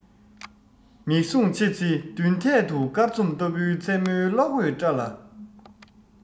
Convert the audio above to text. མིག ཟུང ཕྱེ ཚེ མདུན ཐད དུ སྐར ཚོམ ལྟ བུའི མཚན མོའི གློག འོད བཀྲ ལ